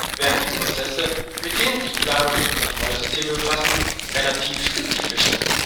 während die Prozesse, mit denen sich Planungs - und Kontrollsysteme befassen, relativ spezifisch sind